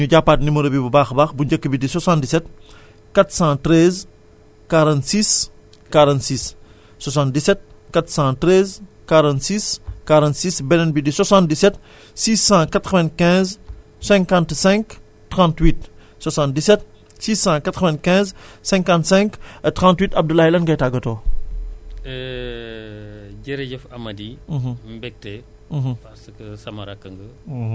en tout cas émission bi am na solo mais malheureusement comme lu ñuy wax donc l' émission tire à sa fin xanaa rek di fàttali mbokku auditeurs yi ñu jàppaat numéro bi bu baax a baax bu njëkk bi di soixante dix sept 413 46 46 77 413 46 46 beneen bi di 77 695 55 38 77 695 55 38 Abdoulaye lan ngay tàggatoo